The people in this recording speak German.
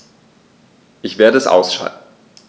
Ich werde es ausschalten